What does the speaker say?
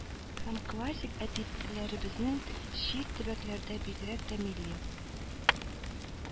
Һәм классик әдипләребезнең чит төбәкләрдә, бигрәк тә милли